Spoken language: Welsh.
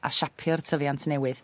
a siapio'r tyfiant newydd.